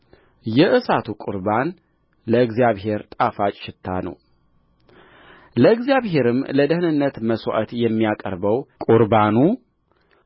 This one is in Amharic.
የእሳት ቍርባን ለእግዚአብሔር ጣፋጭ ሽታ ነውለእግዚአብሔርም ለደኅንነት መሥዋዕት የሚያቀርበው ቍርባኑ